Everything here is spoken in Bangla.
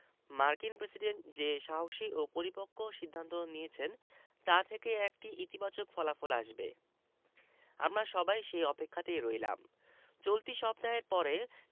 মার্কিন প্রেসিডেন্ট যে সাহসী ও পরিপক্ব সিদ্ধান্ত নিয়েছেন তা থেকে একটি ইতিবাচক ফলাফল আসবে আমরা সবাই সে অপেক্ষাতেই রইলাম চলতি সপ্তাহের পরে